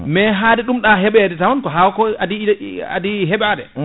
mais hade ɗum ɗa heɓede taw ko haakoko adi i adi heɓade